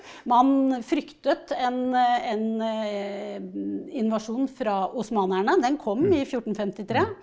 man fryktet en en invasjon fra osmanerne den kom i fjortenfemtitre.